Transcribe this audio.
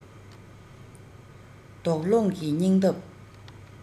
དོགས སློང གི སྙིང སྟོབས